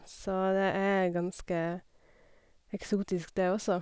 Så det er ganske eksotisk, det også.